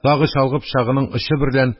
Тагы чалгы пычагының очы берлән